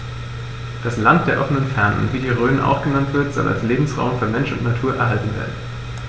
Das „Land der offenen Fernen“, wie die Rhön auch genannt wird, soll als Lebensraum für Mensch und Natur erhalten werden.